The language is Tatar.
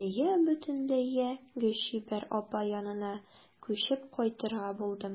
Җәйгә бөтенләйгә Гөлчибәр апа янына күчеп кайтырга булдым.